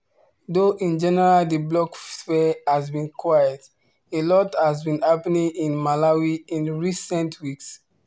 Though in general the blogosphere has been quiet, a lot has been happening in Malawi in recent weeks.